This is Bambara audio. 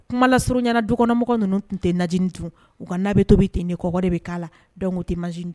Kuma la surunuru ɲɛna dukɔnɔmɔgɔ ninnu tun tɛ naj dun u ka' bɛ to bɛ ten kɔ de bɛ k'a la tɛ